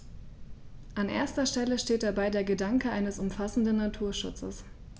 An erster Stelle steht dabei der Gedanke eines umfassenden Naturschutzes.